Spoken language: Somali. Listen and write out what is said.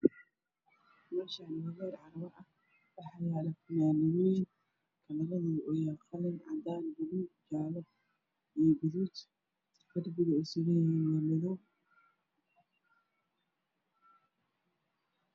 Meshaani waa meel carwa ah waxaa yala funanadooyin kalaradoodu yahay qalin cadan madow baluug jaalo iyo gaduid derbiga ey suran yihiin waa madoow